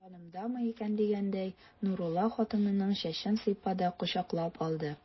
Янымдамы икән дигәндәй, Нурулла хатынының чәчен сыйпады, кочаклап алды.